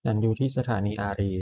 ฉันอยู่ที่สถานีอารีย์